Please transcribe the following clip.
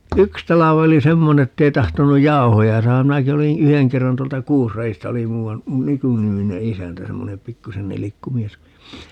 yksi talvi oli semmoinen että ei tahtonut jauhoja saada minäkin olin yhden kerran tuolta Kuusradista oli muuan Myky-niminen isäntä semmoinen pikkuisen nilkku mies